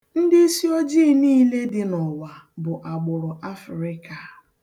Ndị isiojii niile dị n'ụwa bụ agbụrụ Afịrịka.